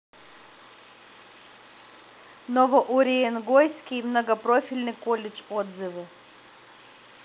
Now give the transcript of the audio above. новоуренгойский многопрофильный колледж отзывы